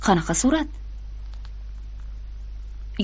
qanaqa surat